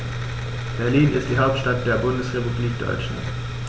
Berlin ist die Hauptstadt der Bundesrepublik Deutschland.